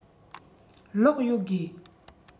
གློག ཡོད དགོས